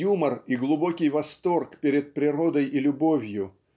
юмор и глубокий восторг перед природой и любовью